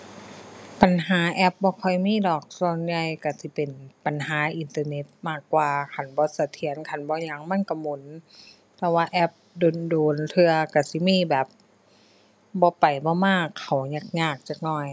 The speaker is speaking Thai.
ปัญหาแอปบ่ค่อยมีดอก ส่วนใหญ่ก็สิเป็นปัญหาอินเทอร์เน็ตมากกว่า คันบ่เสถียรคันบ่หยังมันก็หมุน แต่ว่าแอปโดนโดนเทื่อก็สิมีแบบบ่ไปบ่มา เข้ายากยากจักหน่อย